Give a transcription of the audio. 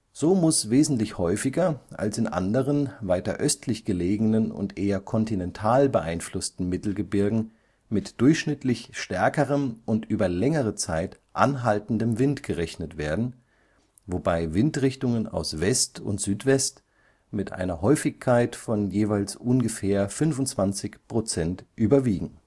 So muss wesentlich häufiger als in anderen, weiter östlich gelegenen und eher kontinental beeinflussten Mittelgebirgen mit durchschnittlich stärkerem und über längere Zeit anhaltendem Wind gerechnet werden, wobei Windrichtungen aus West und Südwest mit einer Häufigkeit von jeweils ungefähr 25 % überwiegen